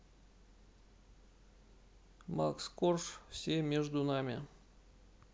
макс корж все между нами